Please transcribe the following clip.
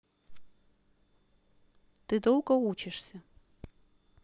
ты долго учишься